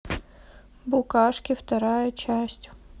букашки вторая часть